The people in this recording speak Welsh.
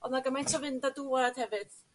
odd 'na gymaint o fynd a dŵad hefyd.